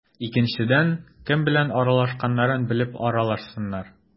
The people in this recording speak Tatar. Икенчедән, кем белән аралашканнарын белеп аралашсыннар.